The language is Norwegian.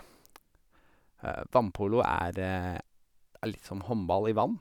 Vannpolo, er det er litt som håndball i vann.